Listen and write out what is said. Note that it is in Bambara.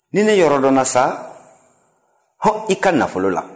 ni ne yɔrɔ dɔnna sa hɔn i ka nafolo la